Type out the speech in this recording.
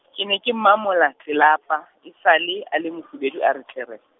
ke ne ke mamola tlelapa, a sale a le mofubedu a re tlere.